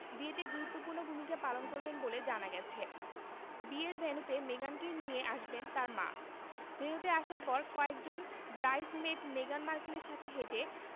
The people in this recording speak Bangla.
বিয়েতে গুরুত্বপূর্ণ ভূমিকা পালন করবেন বলে জানা গেছে বিয়ের ভেন্যুতে মেগানকে নিয়ে আসবেন তাঁর মা ভেন্যুতে আসার পর কয়েকজন ব্রাইডস মেড মেগান মার্কেলের সাথে হেঁটে